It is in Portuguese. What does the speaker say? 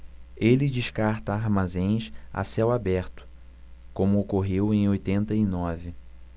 ele descarta armazéns a céu aberto como ocorreu em oitenta e nove